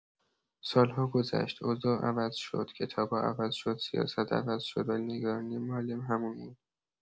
سال‌ها گذشت، اوضاع عوض شد، کتابا عوض شد، سیاست عوض شد، ولی نگرانی معلم همون موند.